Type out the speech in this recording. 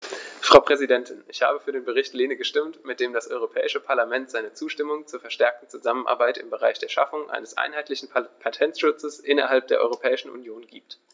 Frau Präsidentin, ich habe für den Bericht Lehne gestimmt, mit dem das Europäische Parlament seine Zustimmung zur verstärkten Zusammenarbeit im Bereich der Schaffung eines einheitlichen Patentschutzes innerhalb der Europäischen Union gibt.